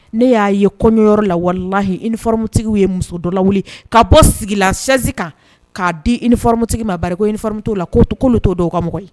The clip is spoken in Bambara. Ne y'a ye kɔɲɔyɔrɔ la walalahi i nifamusotigi ye muso dɔ la wuli ka bɔ sigila sisi kan k'a di nifamusotigi ma bari ko ifa'o la k''olu t'o dɔw u kamɔgɔ